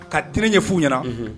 Ka t ɲɛfu ɲɛna